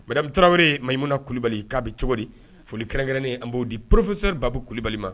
Mdame tarawelewe ye maɲm na kulubali k'a bɛ cogo di foli kɛrɛnnen an b'o di poropsɛ baabu ku kulubali ma